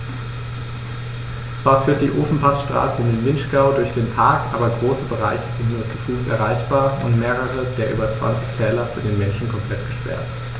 Zwar führt die Ofenpassstraße in den Vinschgau durch den Park, aber große Bereiche sind nur zu Fuß erreichbar und mehrere der über 20 Täler für den Menschen komplett gesperrt.